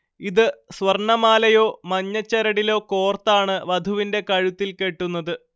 ഇത് സ്വർണമാലയിലോ മഞ്ഞച്ചരടിലോ കോർത്താണ് വധുവിന്റെ കഴുത്തിൽ കെട്ടുന്നത്